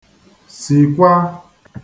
sìkwa